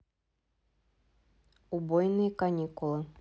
убойные каникулы